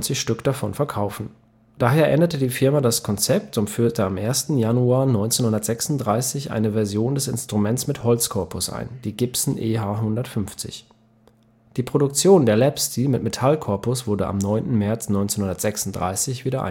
Stück davon verkaufen. Daher änderte die Firma das Konzept und führte am 1. Januar 1936 eine Version des Instruments mit Holzkorpus ein – die Gibson EH-150. Die Produktion der Lap Steel mit Metallkorpus wurde am 9. März 1936 wieder